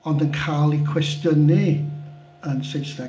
Ond yn cael eu cwestiynu yn Saesneg.